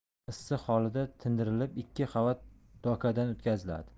issiq holida tindirilib ikki qavat dokadan o'tkaziladi